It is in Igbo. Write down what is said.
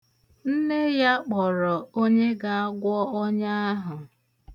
Nne ya kpọrọ onye ga-agwọ ọnya ahụ.